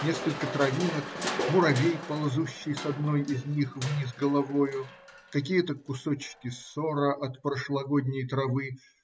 Несколько травинок, муравей, ползущий с одной из них вниз головою, какие-то кусочки сора от прошлогодней травы